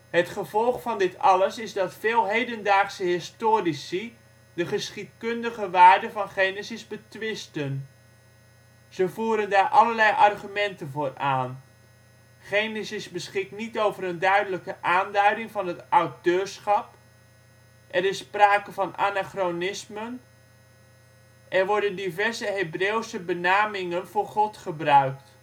Het gevolg van dit alles is dat veel hedendaagse historici de geschiedkundige waarde van Genesis betwisten. Ze voeren daar allerlei argumenten voor aan: Genesis beschikt niet over een duidelijke aanduiding van het auteurschap. Er is sprake van anachronismen. Er worden diverse Hebreeuwse benameningen voor God gebruikt